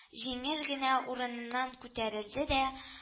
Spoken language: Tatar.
Җиңел генә урыныннан күтәрелде дә